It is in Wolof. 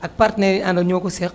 ak partenaires yi ñu àndal ñoo ko seq